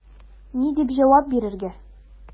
Ни дип җавап бирергә?